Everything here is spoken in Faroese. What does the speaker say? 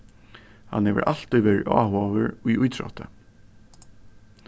hann hevur altíð verið áhugaður í ítrótti